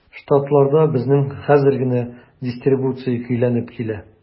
Штатларда безнең хәзер генә дистрибуция көйләнеп килә.